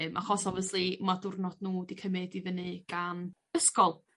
yym achos obviously ma' diwrnod nhw 'di cymyd i fyny gan ysgol